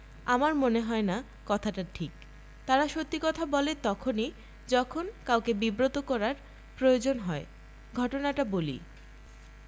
আমার মনে হয় না কথাটা ঠিক তারা সত্যি কথা বলে তখনি যখন কাউকে বিব্রত করার প্রয়োজন হয় ঘটনাটা বলি